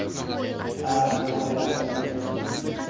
ancha uzoqlashib ketdik